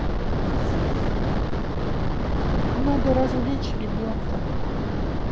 надо развлечь ребенка